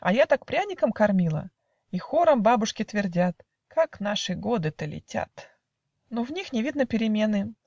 А я так пряником кормила!" И хором бабушки твердят: "Как наши годы-то летят!" Но в них не видно перемены